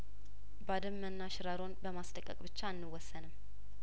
ባደመና ሽራሮን በማስለቀቅ ብቻ አንወሰንም